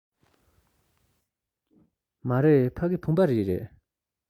མ རེད ཕ གི བུམ པ རི རེད